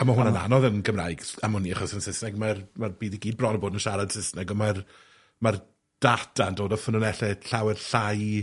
A ma' hwn yn anodd yn Cymraeg, s- am wn i, achos yn Sysneg, ma'r ma'r byd i gyd bron a bod yn siarad Sysneg, ond ma'r ma'r data'n dod o ffynonellau llawer llai.